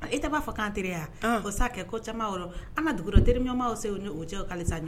E tɛ b'a fɔ kanan teri yan ko sa kɛ ko caman yɔrɔ an ka dugukɔrɔ teriɲɔgɔnmaw se o cɛ kalisa